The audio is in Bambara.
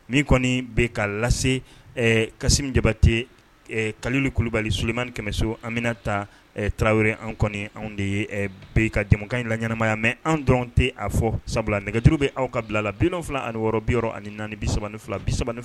Min kɔni bɛ ka lase kasi jabate kalili kulubali solimani kɛmɛso anmina ta taraweley anw kɔni anw de ye bɛ ka jamanakan in la ɲɛnaanamaya mɛ anw dɔrɔn tɛ aa fɔ sabula nɛgɛjuru bɛ aw ka bila la binfila ni wɔɔrɔ bi yɔrɔ ani naani bisa fila bisa